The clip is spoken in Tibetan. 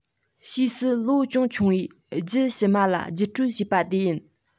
ཕྱིས སུ ལོ ཅུང ཆུང བའི རྒྱུད ཕྱི མ ལ བརྒྱུད སྤྲོད བྱས པ དེ ཡིན